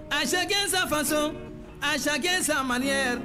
A si san faso a si kelen san manya ye